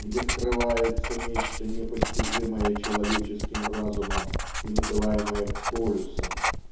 где скрывается нечто непостижимое человеческим разумом и называемое Полюсом.